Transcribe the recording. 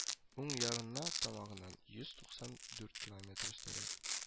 Уң ярына тамагыннан йөз туксан дүрт километр өстәрәк